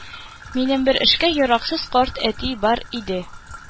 Минем бер эшкә яраксыз карт әти бар иде